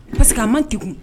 Parceri que a man tigi